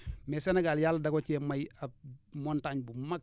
mais Sénégal yàlla da ko cee may ab montagne bu mag